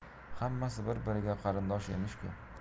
hammasi bir biriga qarindosh emish ku